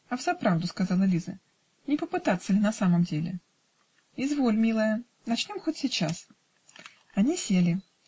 -- "А взаправду, -- сказала Лиза, -- не попытаться ли и в самом деле?" -- "Изволь, милая начнем хоть сейчас". Они сели.